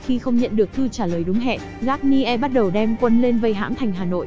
khi không nhận được thư trả lời đúng hẹn garnier bắt đầu đem quân lên vây hãm thành hà nội